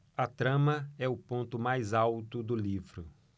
a trama é o ponto mais alto do livro